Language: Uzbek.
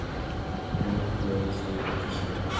o'roq bilan suvni kesma